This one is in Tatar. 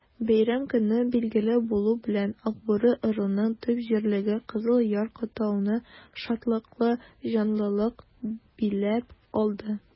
Бәйрәм көне билгеле булу белән, Акбүре ыруының төп җирлеге Кызыл Яр-катауны шатлыклы җанлылык биләп алды.